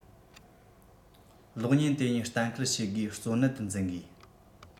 གློག བརྙན དེ གཉིས གཏན འཁེལ བྱེད དགོས གཙོ གནད དུ འཛིན དགོས